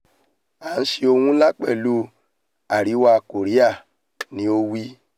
'À ń ṣe ohun ńlá pẹ̀lú Àriwá Kòríà,'' ní o wí.